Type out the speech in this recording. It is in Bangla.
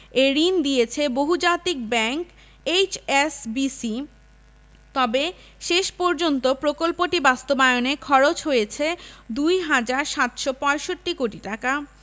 এ ঋণ দিয়েছে বহুজাতিক ব্যাংক এইচএসবিসি তবে শেষ পর্যন্ত প্রকল্পটি বাস্তবায়নে খরচ হয়েছে ২ হাজার ৭৬৫ কোটি টাকা